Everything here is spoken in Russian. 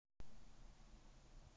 не отвечаешь на вопрос нормально